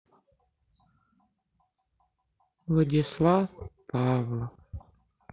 владислав павлов